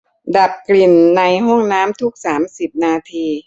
ดับกลิ่นในห้องน้ำทุกสามสิบนาที